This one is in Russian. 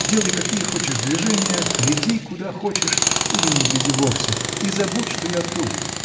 Делай какие хочешь движения, гляди куда хочешь или не гляди вовсе — и забудь, что я тут!